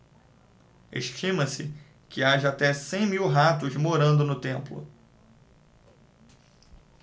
estima-se que haja até cem mil ratos morando no templo